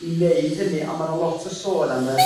i neud hynny a ma' 'na lot o son am y